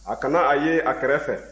a kana a ye a kɛrɛ fɛ